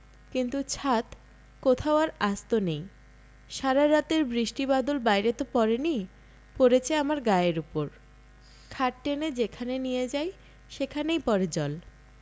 কিন্তু ছাত কোথাও আর আস্ত নেই সারা রাতের বৃষ্টি বাদল বাইরে ত পড়েনি পড়েচে আমার গায়ের উপর খাট টেনে যেখানে নিয়ে যাই সেখানেই পড়ে জল